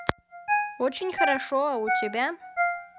очень хорошо а у тебя как